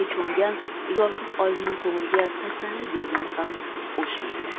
cho'mgan yolg'iz oyimning ko'ngliga tasalli bergan ham o'sha edi